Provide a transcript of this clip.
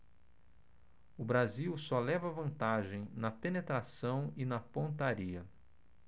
o brasil só leva vantagem na penetração e na pontaria